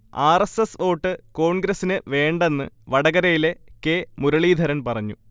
R. S. S. Vote കോൺഗ്രസിന് വേണ്ടെന്ന് വടകരയിലെ കെ. മുരളീധരൻ പറഞ്ഞു